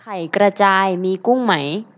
ไข่กระจายมีกุ้งไหม